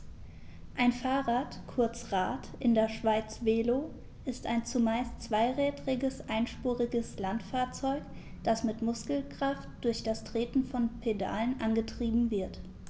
Ein Fahrrad, kurz Rad, in der Schweiz Velo, ist ein zumeist zweirädriges einspuriges Landfahrzeug, das mit Muskelkraft durch das Treten von Pedalen angetrieben wird.